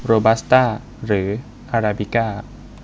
โรบัสต้าหรืออาราบิก้า